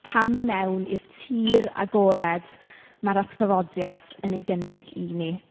Camu mewn i'r tir agored ma'r atgyfodiad yn ei gynnig i ni.